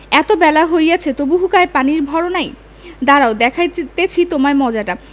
এত বেলা হইয়াছে তবু হুঁকায় পানির ভর নাই দাঁড়াও দেখাইতেছি তোমায় মজাটা